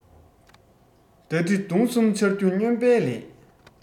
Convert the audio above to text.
མདའ གྲི མདུང གསུམ འཕྱར རྒྱུ སྨྱོན པའི ལས